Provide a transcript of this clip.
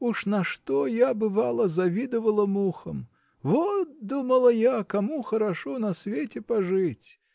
Уж на что я, бывало, завидовала мухам: вот, думала я, кому хорошо на свете пожить